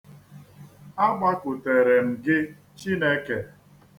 Agbakutere m Gị, Chineke.